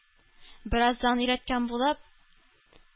Бераздан: “Өйрәткән булып,